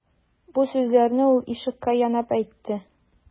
Бу сүзләрне ул ишеккә янап әйтте.